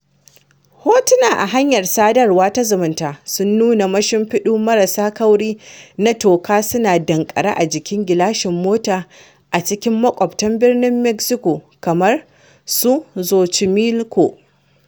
Hotuna a hanyar sadarwa ta zumunta sun nuna mashimfiɗu marasa kauri na toka suna danƙare a jikin gilasan mota a cikin makwaɓtan Birnin Mexico kamar su Xochimilco.